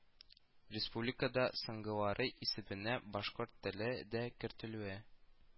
Республикада соңгылары исәбенә башкорт теле дә кертелүе